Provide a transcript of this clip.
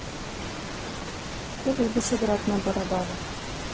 ты любишь играть на барабанах